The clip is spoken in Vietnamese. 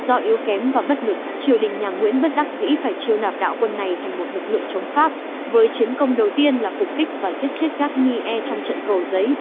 do yếu kém và bất lực triều đình nhà nguyễn bất đắc dĩ phải chiêu nạp đạo quân này thành lực lượng chống pháp với chiến công đầu tiên của là phục kích và giết chết garnier trong trận cầu giấy